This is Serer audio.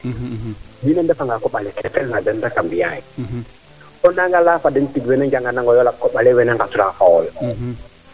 wiin we ndefa nga koɓale ke fel na den rek a mbiya yo ona nga leya foden tig wene njanga nangoyo laɓ koɓale wene ngasra fo wo